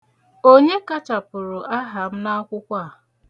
Onye kachapụrụ aha m n'akwụkwọ a?